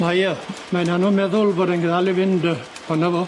Mae o. Mae'n ano' meddwl fod e'n g- dal i fynd yy on' 'na fo.